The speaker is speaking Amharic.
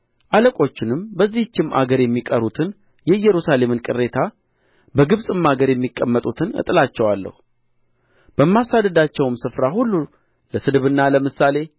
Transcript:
አለቆቹንም በዚህችም አገር የሚቀሩትን የኢየሩሳሌም ቅሬታ በግብጽም አገር የሚቀመጡትን እጥላቸዋለሁ በማሳድዳቸውም ስፍራ ሁሉ ለስድብና ለምሳሌ